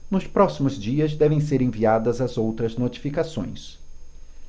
nos próximos dias devem ser enviadas as outras notificações